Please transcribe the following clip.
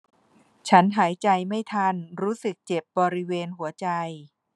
ฉันหายใจไม่ทันรู้สึกเจ็บบริเวณหัวใจ